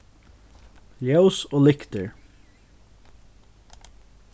ljós og lyktir